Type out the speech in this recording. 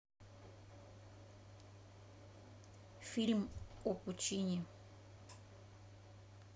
фильм о пучине